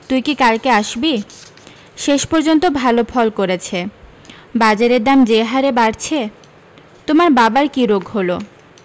তুই কী কালকে আসবি শেষ পর্যন্ত ভালো ফল করেছে বাজারের দাম যে হারে বাড়ছে তোমার বাবার কী রোগ হল